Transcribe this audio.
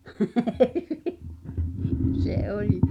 se oli